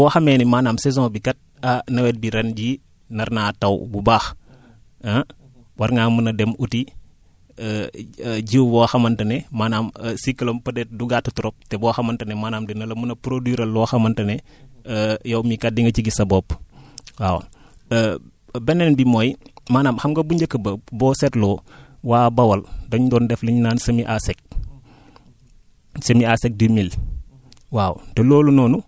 waa ci prévision saisonière bi la ëpp solo ndax boo xamee ni maanaam saison bi kat ah nawet bi ren jii nar naa taw bu baax ah war ngaa mën a dem uti jiw boo xamante maanaam cycle am peut être du gàtt trop te boo xamante ne maanaam dina la mun a produire loo xamante ne yow mii kat di nga ci gis sa bopp waaw beneen bi mooy maanaam xam nga bu njëkk ba boo seetloo waa Boal dañ doon def li ñu naan semis à sec